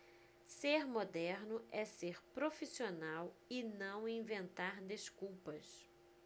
ser moderno é ser profissional e não inventar desculpas